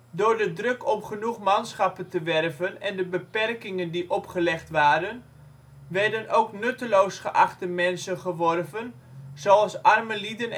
Door de druk om genoeg manschappen te werven en de beperkingen die opgelegd waren, werden ook nutteloos geachte mensen geworven zoals arme lieden